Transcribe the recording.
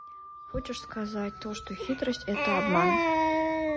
хочешь сказать то что хитрость это обман